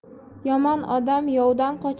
yomon odam yovdan qochar